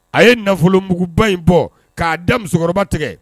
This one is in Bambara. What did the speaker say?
A ye nafolomuguba in bɔ k'a da musokɔrɔba tigɛ